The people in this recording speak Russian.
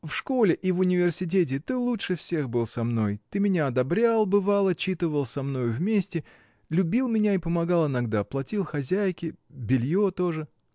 В школе и в университете ты лучше всех был со мною: ты меня ободрял, бывало, читывал со мною вместе, любил меня и помогал иногда, платил хозяйке. белье тоже.